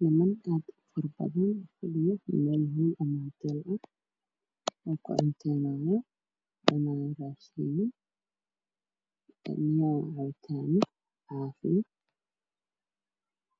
Niman aad u faro badan oo fadhiya meel hool ama huteel ah, oo kucuntaynaayo. Waxaa agyaalo cunto iyo cabitaano,